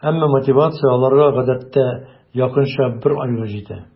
Әмма мотивация аларга гадәттә якынча бер айга җитә.